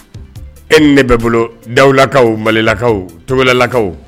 E ni ne bɛ bolo dawulakaw malilakaw tolɛlakaw